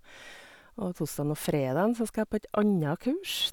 Og torsdagen og fredagen så skal jeg på et anna kurs.